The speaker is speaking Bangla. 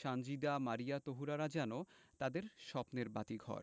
সানজিদা মারিয়া তহুরারা যেন তাদের স্বপ্নের বাতিঘর